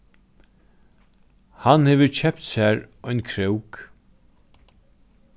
hann hevur keypt sær ein krók